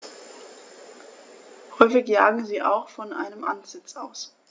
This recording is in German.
Häufig jagen sie auch von einem Ansitz aus.